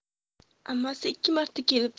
ammasi ikki marta kelib